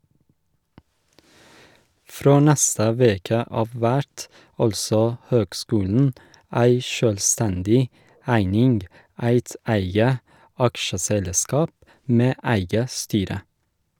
Frå neste veke av vert altså høgskulen ei sjølvstendig eining, eit eige aksjeselskap med eige styre.